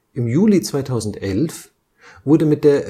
Im Juli 2011 wurde mit der